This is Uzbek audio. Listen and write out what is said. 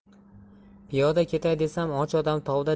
piyoda ketay desam och odam tovda